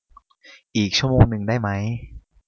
อีกชั่วโมงนึงได้ไหม